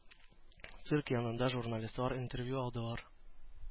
Цирк янында журналистлар интервью алдылар.